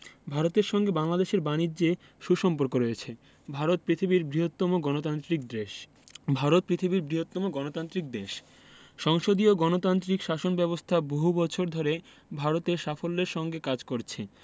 ভারতের সঙ্গে বাংলাদেশের বানিজ্যে সু সম্পর্ক রয়েছে ভারত পৃথিবীর বৃহত্তম গণতান্ত্রিক দেশ সংসদীয় গণতান্ত্রিক শাসন ব্যাবস্থা বহু বছর ধরে ভারতে সাফল্যের সঙ্গে কাজ করছে